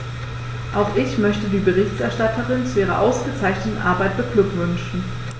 Auch ich möchte die Berichterstatterin zu ihrer ausgezeichneten Arbeit beglückwünschen.